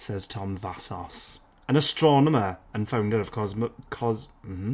Says Tom Vassos, an astronomer and founder of Cosmo... Cos...mmm